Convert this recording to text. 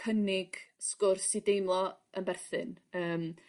ia cynnig sgwrs i deimlo yn berthyn yym.